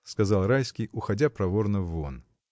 — сказал Райский, уходя проворно вон.